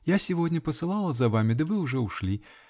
-- Я сегодня посылала за вами да вы уже ушли.